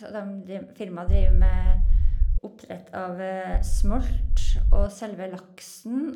Og dem drim firmaet driver med oppdrett av smolt og selve laksen.